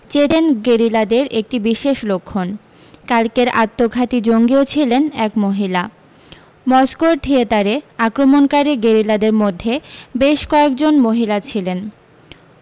Chechen গেরিলাদের একটি বিশেষ লক্ষণ কালকের আত্মঘাতী জঙ্গিও ছিলেন এক মহিলা মস্কোর থিয়েটারে আক্রমণকারী গেরিলাদের মধ্যে বেশ কয়েক জন মহিলা ছিলেন